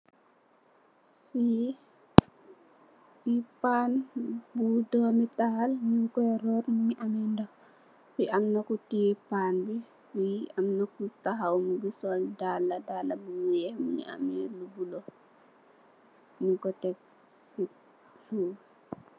Fii, lii pan bu dormu taal njung koi rot, mungy ameh ndoh, amna ku tiyeh pan bii, fii amna ku takhaw mungy sol daalah, daalah bu wekh mungy ameh bleu, njung kor tek cii suff.